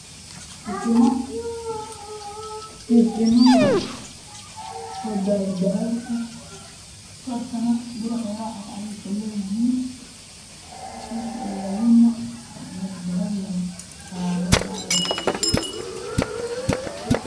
Jijimo oo dahabi dahabi ah